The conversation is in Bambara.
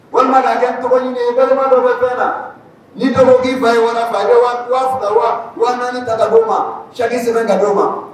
Walima'a kɛ n tɔgɔ ɲini ye balima dɔ bɛ fɛn na ni da k'i ba ye wara waa ta taa ma saki sɛbɛn ka' ma